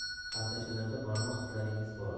xaltachalarda barmoq izlaringiz bor